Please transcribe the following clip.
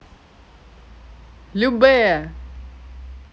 любэ